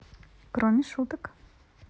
кроме шуток